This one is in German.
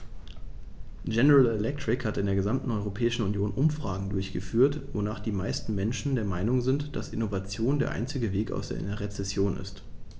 General Electric hat in der gesamten Europäischen Union Umfragen durchgeführt, wonach die meisten Menschen der Meinung sind, dass Innovation der einzige Weg aus einer Rezession ist.